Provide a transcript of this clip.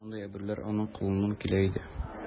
Мондый әйберләр аның кулыннан килә иде.